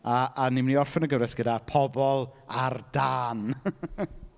A a ni'n mynd i orffen y gyfres gyda Pobol Ar Dân .